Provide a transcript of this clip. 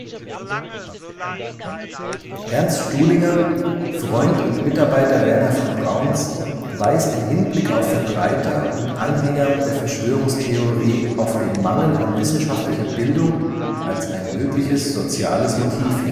Ernst Stuhlinger, Freund und Mitarbeiter Wernher von Brauns, weist im Hinblick auf Verbreiter und Anhänger der Verschwörungstheorie auf den Mangel an wissenschaftlicher Bildung als ein mögliches soziales Motiv